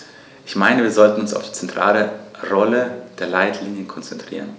Ich meine, wir sollten uns auf die zentrale Rolle der Leitlinien konzentrieren.